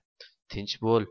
tinch bo'l